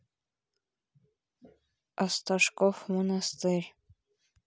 осташков монастырь